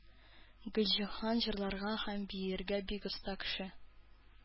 Гөлҗиһан җырларга һәм биергә бик оста кеше.